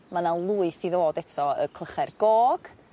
ma' 'na lwyth i ddod eto y clychau'r gog